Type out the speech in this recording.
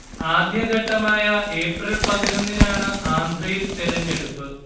ആദ്യഘട്ടമായ April പതിനൊന്നിനാണ് ആന്ധ്രയിൽ തിരഞ്ഞെടുപ്പ്